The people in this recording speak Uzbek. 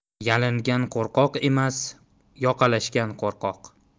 yalingan qo'rqoq emas yoqalashgan qo'rqoq